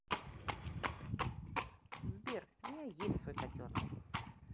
сбер у меня есть свой котенок